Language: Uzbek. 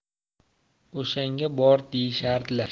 o'shanga bor deyishardilar